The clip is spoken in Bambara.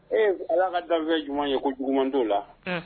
Ee ala ka dan ɲuman ye ko juguman dɔw la